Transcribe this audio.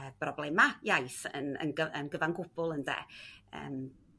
ee broblema' iaith yn yn yn gyfan gwbl ynde? Yym